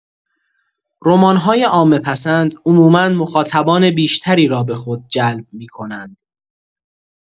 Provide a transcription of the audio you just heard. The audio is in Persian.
رمان‌های عامه‌پسند عموما مخاطبان بیشتری را به خود جلب می‌کنند.